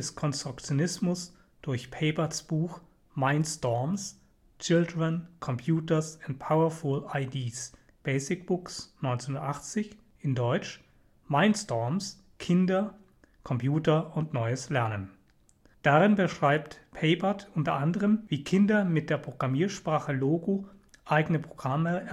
Konstruktionismus durch Paperts Buch Mindstorms: Children, Computers, and Powerful Ideas (Basic Books, 1980, deutsch: Mindstorms: Kinder, Computer und neues Lernen) Darin beschreibt Papert unter anderem, wie Kinder mit der Programmiersprache Logo eigene Programme